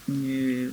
N ye